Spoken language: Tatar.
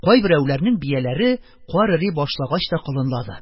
Кайберәүләрнең бияләре кар эри башлагач та колынлады,